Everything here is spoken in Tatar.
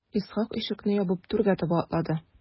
Исхак ишекне ябып түргә таба атлады.